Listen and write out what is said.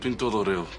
Dwi'n dod o Ryl.